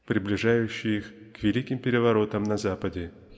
приближающей их к великим переворотам на Западе.